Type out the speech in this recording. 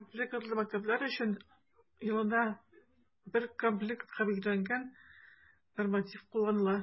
Аз комплектлы мәктәпләр өчен елына бер комплектка билгеләнгән норматив кулланыла.